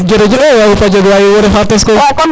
jerejef e axupa jeg waay wo ref xarites koy